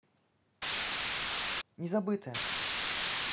незабытая